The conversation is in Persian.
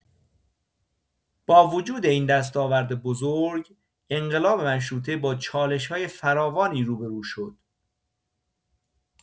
با وجود این دستاورد بزرگ، انقلاب مشروطه با چالش‌های فراوانی روبه‌رو شد.